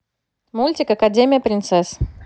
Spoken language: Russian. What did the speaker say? мультик академия принцесс